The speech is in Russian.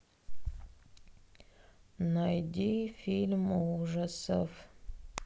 найди фильм ужасов